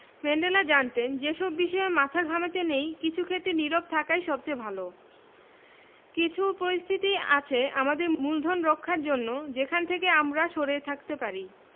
Mandela জানতেন যে সব বিষয়ে মাথা ঘামাতে নেই কিছু ক্ষেত্রে নীরব থাকাই সবচেয়ে ভালো কিছু পরিস্থিতি আছে আমাদের মূলধন রক্ষার জন্য যেখান থেকে আমরা সরে থাকতে পারি